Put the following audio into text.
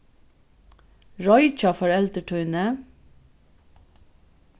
roykja foreldur tíni